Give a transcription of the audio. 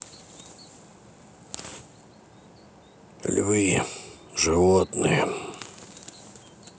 львы животные